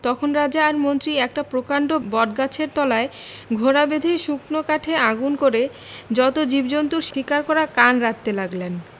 তখন রাজা আর মন্ত্রী একটা প্রকাণ্ড বটগাছের তলায় ঘোড়া বেঁধে শুকনো কাঠে আগুন করে যত জীবজন্তুর শিকার করা কান রাঁধতে লাগলেন